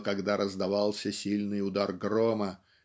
но когда раздавался сильный удар грома